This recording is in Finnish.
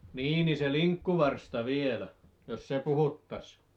niin niin se linkkuvarsta vielä jos se puhuttaisiin